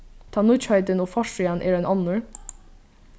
tá nýggjheitin og forsíðan er ein onnur